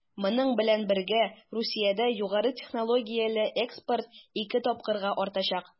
Моның белән бергә Русиядә югары технологияле экспорт 2 тапкырга артачак.